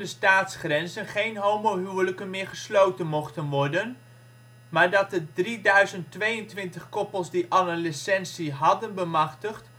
staatsgrenzen geen homohuwelijken meer gesloten mochten worden, maar dat de 3022 koppels die al een licentie hadden bemachtigd